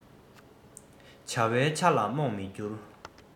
བྱ བའི ཆ ལ རྨོངས མི འགྱུར